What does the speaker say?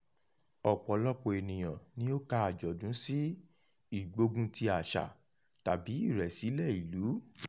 Ọ̀pọ̀lọpọ̀ ènìyàn ni ó ka àjọ̀dún sí "ìgbógunti àṣà" tàbí "ìrẹ̀sílẹ̀ ìlú".